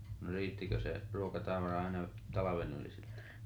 no riittikö se ruokatavara aina talven yli sitten